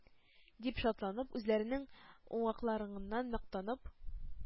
Дип шатланып, үзләренең уңганлыкларыннан мактанып,